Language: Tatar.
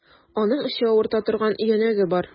Аның эче авырта торган өянәге бар.